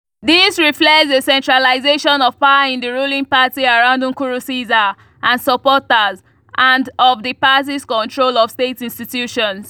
This reflects a centralization of power in the ruling party around Nkurunziza and supporters, and of the party’s control of state institutions.